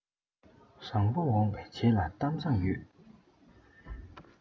བཟང པོ འོངས པའི རྗེས ལ གཏམ བཟང ཡོད